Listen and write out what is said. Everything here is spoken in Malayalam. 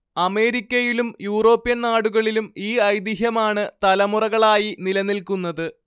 അമേരിക്കയിലും യൂറോപ്യൻ നാടുകളിലും ഈ ഐതിഹ്യമാണ് തലമുറകളായി നിലനിൽക്കുന്നത്